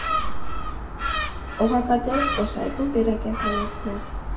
Օղակաձև զբոսայգու վերակենդանացման։